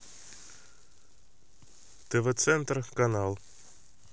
тв центр канал